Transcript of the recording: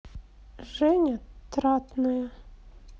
женя тратная